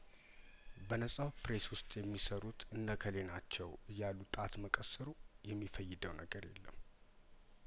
በነጻው ፕሬስ ውስጥ የሚሰሩት እነ እከሌ ናቸው እያሉ ጣት መቀ ሰሩ የሚፈይደው ነገር የለም